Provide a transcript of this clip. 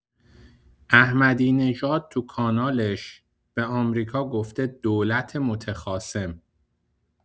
احمدی‌نژاد تو کانالش، به آمریکا گفته دولت متخاصم.